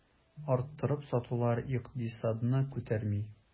Арттырып сатулар икътисадны күтәрми.